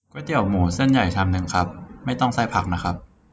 ก๋วยเตี๋ยวหมูเส้นใหญ่ชามนึงครับไม่ต้องใส่ผักนะครับ